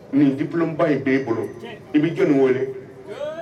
Nin dibuba in b i bolo i bɛi jɔn wele